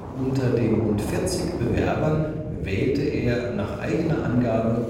Unter den rund 40 Bewerbern wählte er nach eigener Angabe